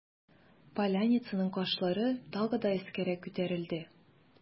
Поляницаның кашлары тагы да өскәрәк күтәрелде.